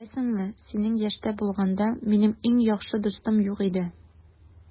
Беләсеңме, синең яшьтә булганда, минем иң яхшы дустым юк иде.